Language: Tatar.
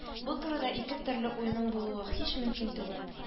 Бу турыда ике төрле уйның булуы һич мөмкин түгел